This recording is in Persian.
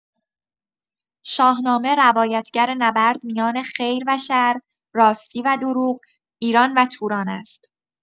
شاهنامه روایتگر نبرد میان خیر و شر، راستی و دروغ، ایران و توران است.